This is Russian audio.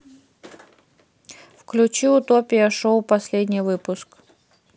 включи утопия шоу последний выпуск